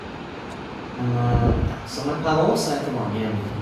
men Ja, så om et par år så er jeg tilbake hjemme igjen.